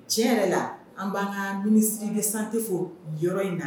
Tiɲɛ yɛrɛ la an b'an ka ministre de sante fo nin yɔrɔ in na